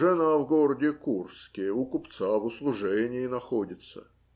жена в городе Курске, у купца в услужении находится.